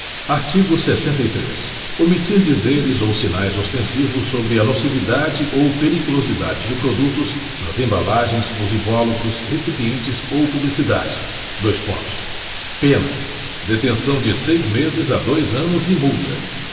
artigo sessenta e três omitir dizeres ou sinais ostensivos sobre a nocividade ou periculosidade de produtos nas embalagens nos invólucros recipientes ou publicidade dois pontos pena detenção de seis meses a dois anos e multa